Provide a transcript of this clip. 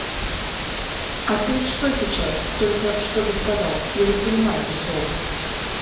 а ты что сейчас только что то сказал я не понимаю это слово